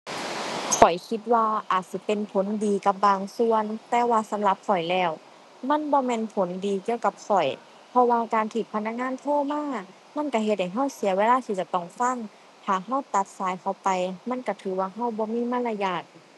ข้อยคิดว่าอาจสิเป็นผลดีกับบางส่วน แต่ว่าสำหรับข้อยแล้วมันบ่แม่นผลดีเกี่ยวกับข้อย เพราะว่าการที่พนักงานโทรมามันก็เฮ็ดให้ก็เสียเวลาที่จะต้องฟัง ถ้าก็ตัดสายเขาไปมันก็ถือว่าก็บ่มีมารยาท